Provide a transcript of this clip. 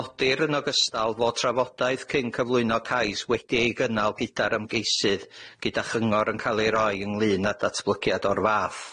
Nodir yn ogystal fod trafodaeth cyn cyflwyno cais wedi ei gynnal gyda'r ymgeisydd gyda chyngor yn ca'l ei roi ynglŷn â datblygiad o'r fath.